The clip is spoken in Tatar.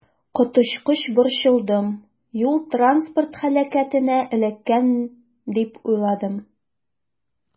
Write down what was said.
Коточкыч борчылдым, юл-транспорт һәлакәтенә эләккән дип уйладым.